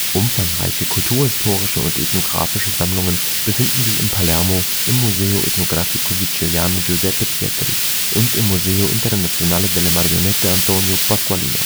Umfangreiche kulturhistorische und ethnografische Sammlungen befinden sich in Palermo im Museo Etnografico Siciliano Giuseppe Pitrè und im Museo Internazionale delle marionette Antonio Pasqualino